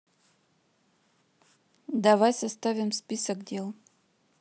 давай составим список дел